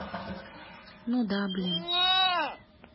ну да блин